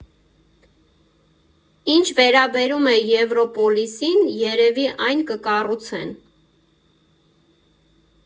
Ինչ վերաբերում է Եվրոպոլիսին՝ երևի այն կկառուցեն։